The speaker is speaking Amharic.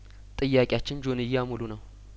ጥያቄያችን ጆንያ ሙሉ ነው